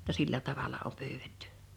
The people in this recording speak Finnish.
jotta sillä tavalla on pyydetty